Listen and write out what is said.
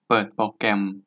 เปิดโปรแกรม